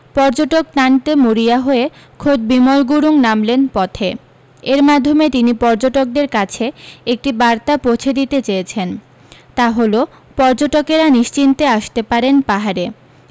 পর্যটক টানতে মরিয়া হয়ে খোদ বিমল গুরুং নামলেন পথে এর মাধ্যমে তিনি পর্যটকদের কাছে একটি বার্তা পৌঁছে দিতে চেয়েছেন তা হল পর্যটকেরা নিশ্চিন্তে আসতে পারেন পাহাড়ে